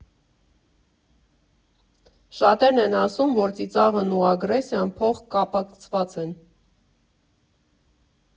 Շատերն են ասում, որ ծիծաղն ու ագրեսիան փոխկապակցված են։